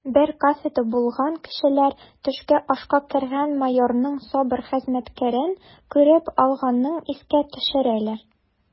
Бер кафеда булган кешеләр төшке ашка кергән майорның СОБР хезмәткәрен күреп алганын искә төшерәләр: